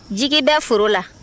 jigi bɛ a foro la